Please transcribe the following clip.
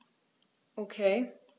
Okay.